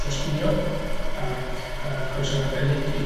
dros ginio, ac yy croeso yn arbennig i...